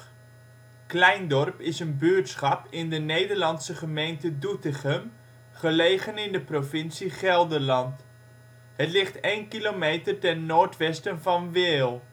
buurtschap in de Nederlandse gemeente Doetinchem, gelegen in de provincie Gelderland. Het ligt 1 kilometer ten noordwesten van Wehl